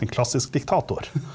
en klassisk diktator.